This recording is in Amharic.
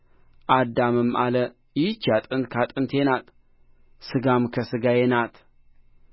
አዳምም አለ ይህች አጥንት ከአጥንቴ ናት ሥጋም ከሥጋዬ ናት